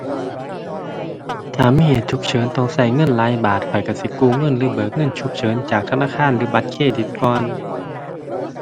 ถ้ามีเหตุฉุกเฉินต้องใช้เงินหลายบาท ข้อยใช้สิกู้เงินหรือเบิกเงินฉุกเฉินจากธนาคารหรือบัตรเครดิตก่อน